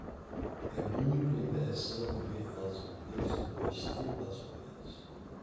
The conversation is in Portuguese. é muito interessante ver as mudanças do estilo das mulheres